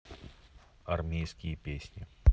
армейские песни